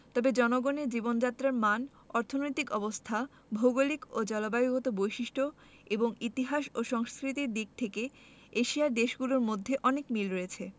তবে জনগণের জীবনযাত্রার মান অর্থনৈতিক অবস্থাভৌগলিক ও জলবায়ুগত বৈশিষ্ট্য এবং ইতিহাস ও সংস্কৃতির দিক থেকে এশিয়ার দেশগুলোর মধ্যে অনেক মিল রয়েছে